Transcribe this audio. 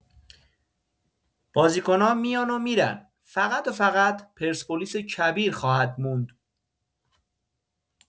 بازیکنا میان و می‌رن، فقط و فقط پرسپولیس کبیر خواهد موند.